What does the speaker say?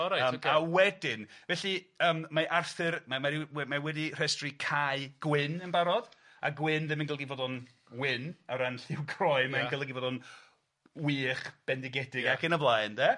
O reit ocê. yym a wedyn felly yym mae Arthur mae mae ryw we- mae wedi rhestru cae gwyn yn barod a gwyn ddim yn golygu fod o'n gwyn o ran lliw croen ia. mae'n golygu fod o'n wych, bendigedig ac yn y blaen, 'de.